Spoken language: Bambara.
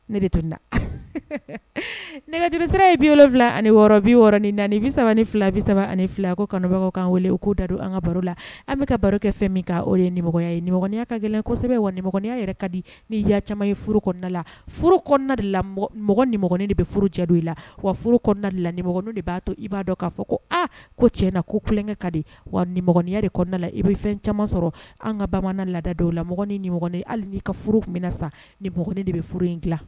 Ne de tun da nɛgɛj sira i bi wolo wolonwula ani wɔɔrɔ bi ni naani bisa ni bi saba ani fila a ko kanubagaw ka wele u k'u da don an ka baro la an bɛka ka baro kɛ fɛn min o ye nimɔgɔya ye ni mɔgɔnya ka gɛlɛnsɛbɛ wa ni mɔgɔnya yɛrɛ ka di ni yaa caman ye furu kɔnɔna la de la mɔgɔ niɔgɔn de bɛ furu cɛ don i la wa de la nimɔgɔɔgɔnin de b'a to i b'a dɔn k'a fɔ ko aa ko cɛɲɛna ko kukɛ ka di wa niɔgɔnya de kɔnɔna la i bɛ fɛn caman sɔrɔ an ka bamanan laadada dɔw la mɔgɔn ni hali n'i ka furu minɛ sa nimɔgɔɔgɔn de bɛ furu in dila